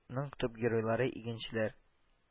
Ның төп геройлары – игенчеләр